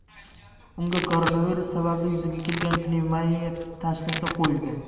unga koronavirus sababli yuzaga kelgan pnevmoniya tashxisi qo'yilgan